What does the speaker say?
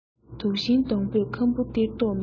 དུག ཤིང སྡོང པོས ཁམ བུ སྟེར མདོག མེད